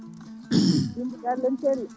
yimɓe galle ene celli